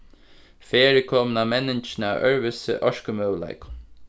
ferð er komin á menningina av øðrvísi orkumøguleikum